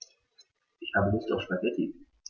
Ich habe Lust auf Spaghetti.